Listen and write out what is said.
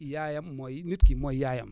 yaayam mooy nit ki mooy yaayam